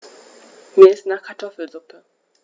Mir ist nach Kartoffelsuppe.